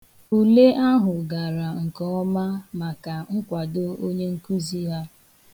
Ule ahụ gara nke ọma maka nkwado onyenkuzi ha.